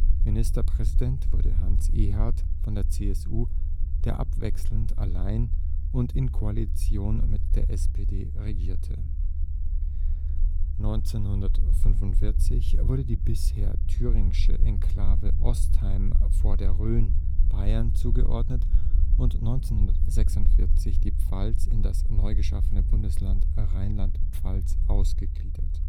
Ministerpräsident wurde Hans Ehard von der CSU, der abwechselnd allein und in Koalition mit der SPD regierte. 1945 wurde die bisher thüringische Enklave Ostheim vor der Rhön Bayern zugeordnet und 1946 die Pfalz in das neu geschaffene Bundesland Rheinland-Pfalz ausgegliedert